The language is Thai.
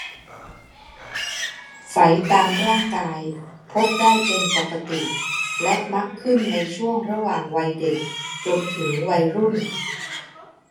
ไฝตามร่างกายพบได้เป็นปกติและมักขึ้นในช่วงระหว่างวัยเด็กจนถึงวัยรุ่น